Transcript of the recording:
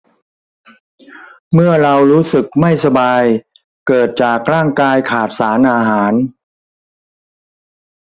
เมื่อเรารู้สึกไม่สบายเกิดจากร่างกายขาดสารอาหาร